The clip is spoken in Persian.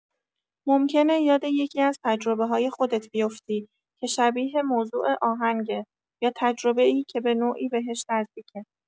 ممکنه یاد یکی‌از تجربه‌های خودت بیفتی که شبیه موضوع آهنگه یا تجربه‌ای که به‌نوعی بهش نزدیکه.